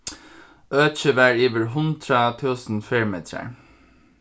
økið var yvir hundrað túsund fermetrar